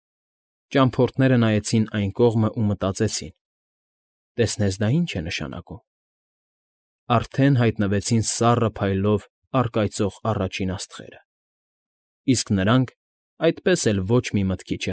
Ճամփորդները նայեցին այդ կողմն ու մտածեցին՝ տեսնես դա ի՞նչ է նշանակում… Արդեն հայտվեցին սառը փայլով առկայծող առաջին աստղերը, իսկ նրանք այդպես էլ ոչ մի մտքի։